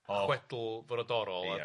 chwedl frodorol... Ia...